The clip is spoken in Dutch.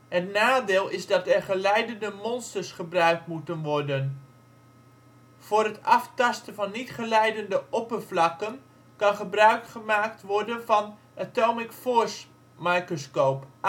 Het nadeel is dat er geleidende monsters gebruikt moeten worden. Voor het aftasten van niet geleidende oppervlakken kan gebruikgemaakt worden van Atomic Force Microscope (AFM